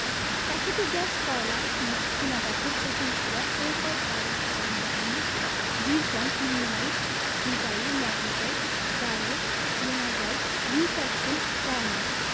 প্রাকৃতিক গ্যাস কয়লা পিট চুনাপাথর কঠিন শিলা সৈকত বালি ভারি মণিক zircon ilmenite rutile magnetite garnet monazite leucoxene kyanite